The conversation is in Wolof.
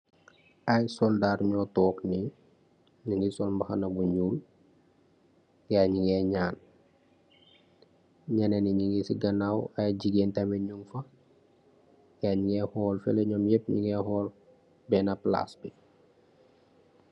Ayy soldarr nyor tok nee nyuge shol mbahana bu nyul gai nyugeh nyaan. Nyeneh yee nyung si ganaw ayy gegain nyung fah. Gaii nyugeh hol feleh, nyom nyep nyugeh hol bena plass bi.